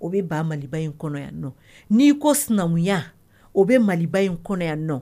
O be ba maliba in kɔnɔ yan nɔ . Ni ko sinankuya o be mali in kɔnɔ yan nɔ